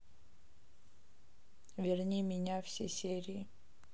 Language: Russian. верни меня все серии